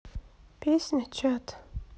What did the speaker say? песня чат